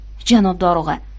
janob dorug'a